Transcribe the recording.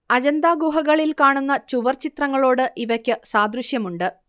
അജന്താ ഗുഹകളിൽ കാണുന്ന ചുവർ ചിത്രങ്ങളോട് ഇവയ്ക്ക് സാദൃശ്യമുണ്ട്